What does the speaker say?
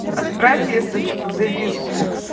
отправь весточку завис бокс